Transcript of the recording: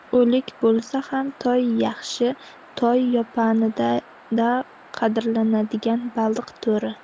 o'lik bo'lsa ham tay yaxshi tay yaponiyada qadrlanadigan baliq turi